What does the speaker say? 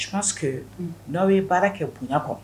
Je pense que unhun n'aw ye baara kɛ bonya kɔ